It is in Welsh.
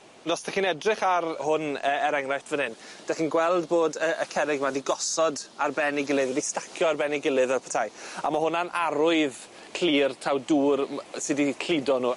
Os 'dych chi'n edrych ar hwn yy er enghraifft fan 'yn 'dych chi'n gweld bod yy y cerrig ma 'di gosod ar ben 'i gilydd, wedi stacio ar ben 'i gilydd fel petai, a ma' hwnna'n arwydd clir taw dŵr m- sy 'di cludo nw.